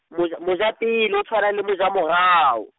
moja-, mojapele o tshwana le mojamorao.